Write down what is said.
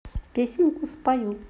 песенку спою